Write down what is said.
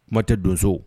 Kuma tɛ donso